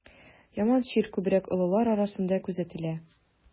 Яман чир күбрәк олылар арасында күзәтелә.